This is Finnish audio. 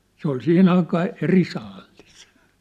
se oli siihen aikaa eri saalis